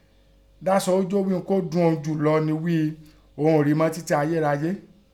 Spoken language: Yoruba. Dasọhúnjó ghí ihun kọ́ dun òun jùlọ ni wí i òun nii rii mo titi ayérayé